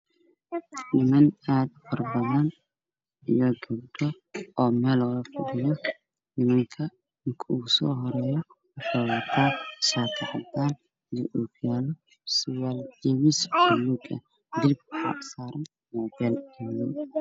Waa niman aad u faro badan iyo gabdho meel wada fadhiyo, nimanka ninka ugu soo horeeyo waxuu wataa shaati cadaan iyo ookiyaalo, surwaal jeemis buluug ah, miiska waxaa saaran muubeel.